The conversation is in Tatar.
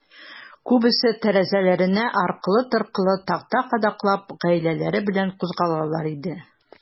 Күбесе, тәрәзәләренә аркылы-торкылы такта кадаклап, гаиләләре белән кузгалалар иде.